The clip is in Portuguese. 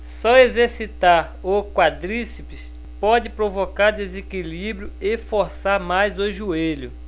só exercitar o quadríceps pode provocar desequilíbrio e forçar mais o joelho